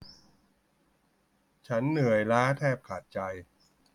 ฉันเหนื่อยล้าแทบขาดใจ